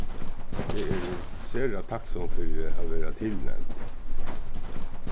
eg eri sera takksom fyri at verða tilnevnd